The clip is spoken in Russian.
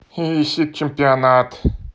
sid чемпионат